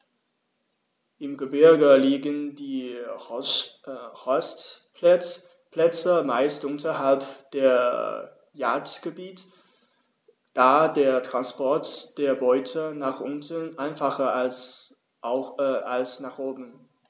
Im Gebirge liegen die Horstplätze meist unterhalb der Jagdgebiete, da der Transport der Beute nach unten einfacher ist als nach oben.